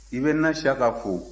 i bɛ na syaka fo